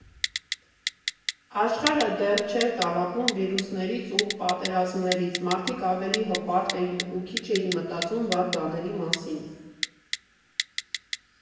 Աշխարհը դեռ չէր տառապում վիրուսներից ու պատերազմներից, մարդիկ ավելի հպարտ էին ու քիչ էին մտածում վատ բաների մասին։